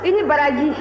i ni baraji